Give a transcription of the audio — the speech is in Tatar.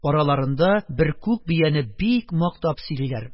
Араларында бер күк бияне бик мактап сөйлиләр,